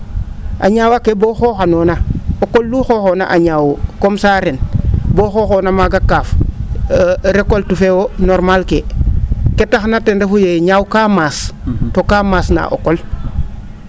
a ñaawa ke bo xooxanoona o qol lu xooxoona a ñaaw comme ca :fdra ren boo xooxoona maaga kaaf recolte fee wo' normale kee ke taxna ten refu yee ñaaw kaa maas to kaa maas na o qol